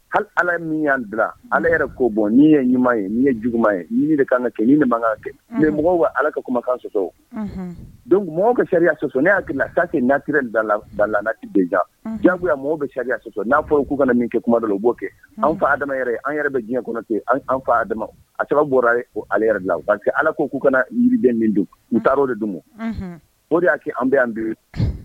Hali ala ye min y' dilan an yɛrɛ ko bɔ ni ye ɲuman ye ni ye juguuma ye de kan ka kɛ ni makan kɛ bi mɔgɔw bɛ ala ka kumakan sɔsɔ don mɔgɔ bɛ sariyariya sɔsɔ ne y'a taa kɛ natire laja jagoya mɔgɔ bɛ sariyaya sɔsɔ n'a fɔ'u kana min kɛ kuma dɔ u b'o kɛ an fa adama yɛrɛ an yɛrɛ bɛ diɲɛ kɔnɔtɛ an fa dama a saba bɔra ye o yɛrɛ la basi que ala ko k'u kana miden min don n taara o de dun o de y'a kɛ an bɛ an bi